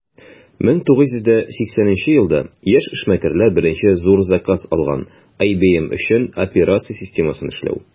1980 елда яшь эшмәкәрләр беренче зур заказ алган - ibm өчен операция системасын эшләү.